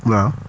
waaw